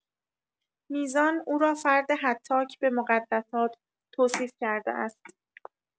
میزان او را «فرد هتاک به مقدسات» توصیف کرده است.